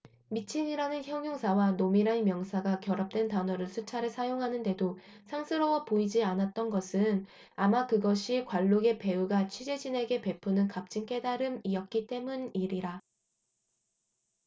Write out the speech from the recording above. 미친이라는 형용사와 놈이란 명사가 결합된 단어를 수차례 사용하는데도 상스러워 보이지 않았던 것은 아마 그것이 관록의 배우가 취재진에게 베푸는 값진 깨달음이었기 때문이리라